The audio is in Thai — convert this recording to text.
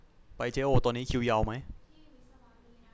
ไปเจ๊โอวตอนนี้คิวยาวมั้ย